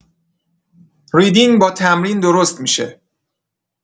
ریدینگ با تمرین درست می‌شه.